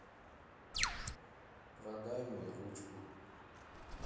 продай мне ручку